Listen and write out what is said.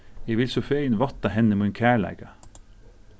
eg vil so fegin vátta henni mín kærleika